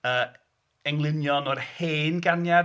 Yy englynion o'r hen ganiad.